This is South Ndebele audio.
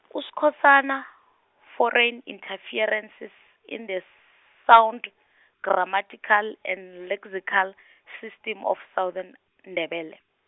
kuSkhosana, Foreign Interferences in the Sound, Grammatical and Lexical System of Southern Ndebele.